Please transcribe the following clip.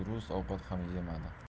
durust ovqat ham yemadi